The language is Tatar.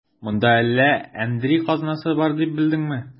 Монда әллә әндри казнасы бар дип белдеңме?